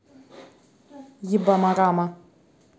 ебама рама